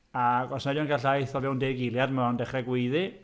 A os nac ydy o'n cael llaeth o fewn deg eiliad mae o'n dechrau gweiddi.